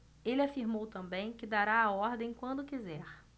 ele afirmou também que dará a ordem quando quiser